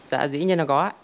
dạ dĩ nhiên là có ạ